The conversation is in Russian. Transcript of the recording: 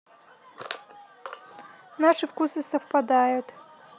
наши вкусы совпадают